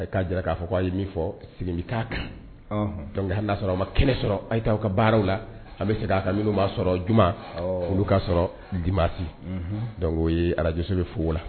A'a jira k'a fɔ ko a ye min fɔ sigilena sɔrɔ ma kɛnɛ sɔrɔ a ka baaraw la a bɛ se' ka minnu b'a sɔrɔ juma olu' sɔrɔ di masi ye araj bɛ fo la